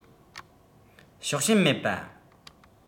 ཕྱོགས ཞེན མེད པ